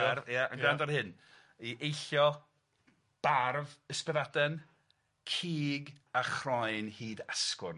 ...farf ia on' grando ar hyn i eillio barf Ysbaddaden, cig a chroen hyd asgwrn.